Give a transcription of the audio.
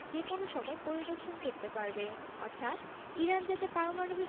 যেকোনো সময় পরিদর্শন করতে পারবে অর্থাৎ ইরান যাতে পারমাণবিক